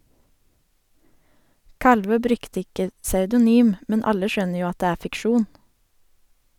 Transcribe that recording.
Kalvø brukte ikke pseudonym, men alle skjønner jo at det er fiksjon.